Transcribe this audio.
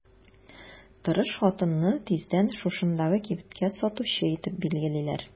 Тырыш хатынны тиздән шушындагы кибеткә сатучы итеп билгелиләр.